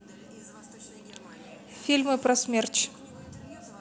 фильмы про смерч